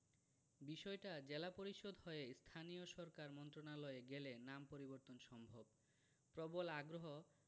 বিষয়টা জেলা পরিষদ হয়ে স্থানীয় সরকার মন্ত্রণালয়ে গেলে নাম পরিবর্তন সম্ভব প্রবল আগ্রহ